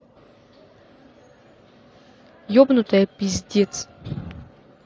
ебнутая пиздец